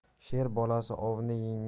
sher bolasi ovni